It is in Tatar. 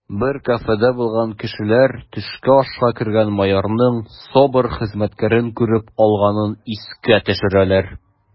Бер кафеда булган кешеләр төшке ашка кергән майорның СОБР хезмәткәрен күреп алганын искә төшерәләр: